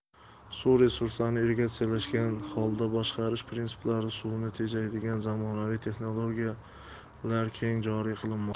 suv resurslarini integratsiyalashgan holda boshqarish prinsiplari suvni tejaydigan zamonaviy texnologiyalar keng joriy qilinmoqda